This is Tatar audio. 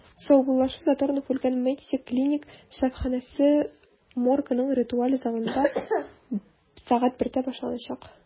Саубуллашу Задорнов үлгән “МЕДСИ” клиник шифаханәсе моргының ритуаль залында 13:00 (мск) башланачак.